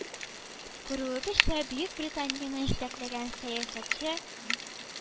Күрүебезчә, Бөекбританияне җитәкләгән сәясәтче